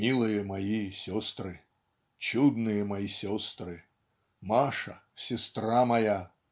"Милые мои сестры, чудные мои сестры! Маша, сестра моя",